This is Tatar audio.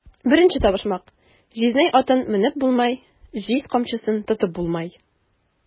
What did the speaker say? Беренче табышмак: "Җизнәй атын менеп булмай, җиз камчысын тотып булмай!"